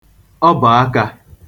ọbọ̀akā